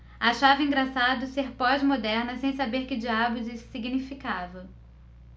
achava engraçado ser pós-moderna sem saber que diabos isso significava